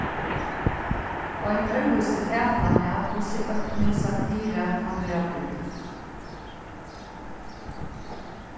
ein øðrvísi fatan av hvussu eitt nú satira kann verða brúkt